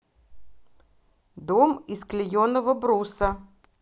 дом из клееного бруса